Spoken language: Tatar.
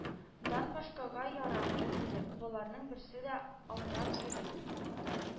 Дан башкага ярамый инде боларның берсе дә, аунап йөри